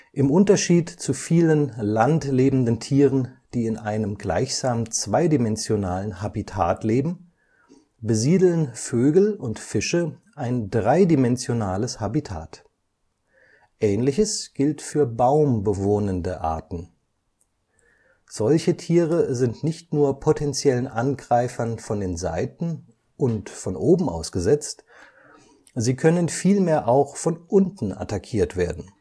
Im Unterschied zu vielen landlebenden Tieren, die in einem gleichsam zweidimensionalen Habitat leben, besiedeln Vögel und Fische ein dreidimensionales Habitat; ähnliches gilt für baumbewohnende Arten. Solche Tiere sind nicht nur potenziellen Angreifern von den Seiten und von oben ausgesetzt, sie können vielmehr auch von unten attackiert werden